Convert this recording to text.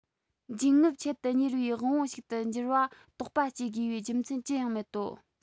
འབྱིན རྔུབ ཆེད དུ གཉེར བའི དབང པོ ཞིག ཏུ གྱུར པར དོགས པ སྐྱེ དགོས པའི རྒྱུ མཚན ཅི ཡང མེད དོ